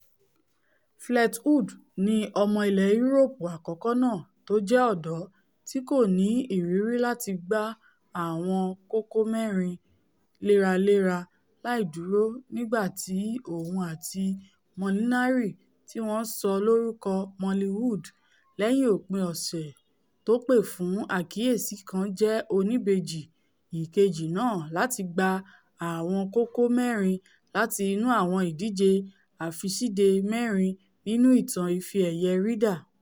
Fleetwood ni ọmọ ilẹ̀ Yuroopu àkọ́kọ́ náà tójẹ́ ọ̀dọ́ tíkòní ìrírí láti gba àwọn kókó mẹ́rin léra-léra láìdúró nígbà tí òun ati Molinari tíwọ́n sọ lórúkọ ''Molliwood'' lẹ́yìn òpin-ọ̀sẹ̀ tópè fún àkíyèsí kan jẹ́ oníbejì ìkejì náà láti gba àwọn kókó mẹ́rin láti inú àwọn ìdíje àfisíde mẹ́rin nínú ìtan Ife-ẹ̀yẹ Ryder.